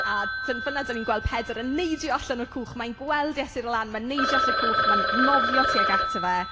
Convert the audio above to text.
A dyn- fan'na dan ni'n gweld Pedr yn neidio allan o'r cwch. Ma'n gweld Iesu ar y lan, ma'n neidio allan o'r cwch, ma'n nofio tuag ato fe.